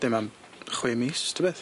Dim am chwe mis tybeth?